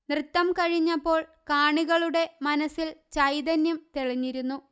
നൃത്തം കഴിഞ്ഞപ്പോള് കാണികളുടെ മനസില് ചൈതന്യം തെളിഞ്ഞിരുന്നു